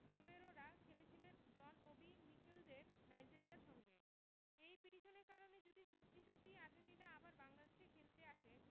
রোমেরোরা খেলেছিলেন John Obi মিকেলদের নাইজেরিয়ার সঙ্গে এই পিটিশনের কারণে যদি সত্যি সত্যিই আর্জেন্টিনা আবার বাংলাদেশে খেলতে আসে